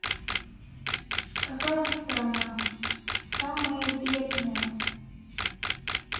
какая страна самая бедная